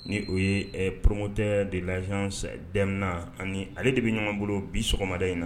Ni o ye poromteur de l'agence DEMNA ani dɛmɛ ani ale de bɛ ɲɔgɔn bolo bi sɔgɔmada in na.